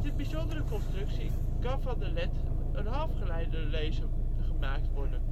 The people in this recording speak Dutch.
bijzondere constructie kan van de led een halfgeleiderlaser gemaakt worden